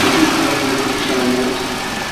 Digwyddodd y gwrthdrawiad